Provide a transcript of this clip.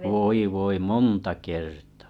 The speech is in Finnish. voi voi monta kertaa